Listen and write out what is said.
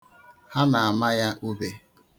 Ha bụ ndị na-ama ube.